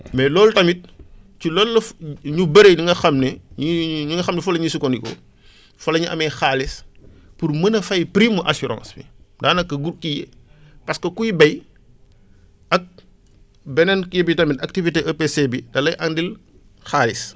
mais loolu tamit ci loolu la ñu bëe ñi nga xam ne ñuy ñi nga xam ne fa la ñu sukkandikoo fa la ñu amee xaalis pour mën a fay prime mu assurance bi daanaka bu kii parce que kuy béyak beneen kii bi tamit activité EPC bi da lay andil xaalis